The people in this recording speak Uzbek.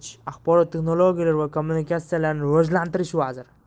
texnologiyalari va kommunikatsiyalarini rivojlantirish vaziri